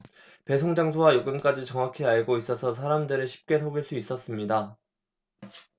배송장소와 요금까지 정확히 알고 있어서 사람들을 쉽게 속일 수 있었습니다